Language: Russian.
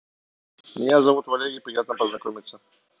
меня зовут валерий приятно познакомиться